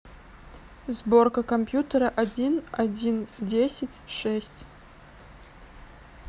сборка компьютера один один десять шесть